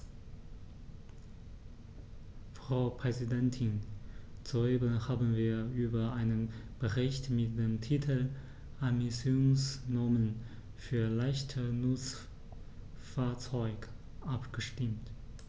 Frau Präsidentin, soeben haben wir über einen Bericht mit dem Titel "Emissionsnormen für leichte Nutzfahrzeuge" abgestimmt.